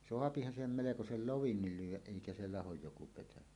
saahan siihen melkoisen loven lyödä eikä se lahoa joku petäjä